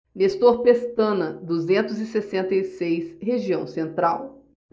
nestor pestana duzentos e sessenta e seis região central